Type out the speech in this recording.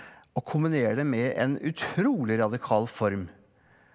og kombinere det med en utrolig radikal form.